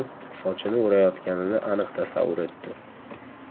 sochini o'rayotganini aniq tasavvur etdi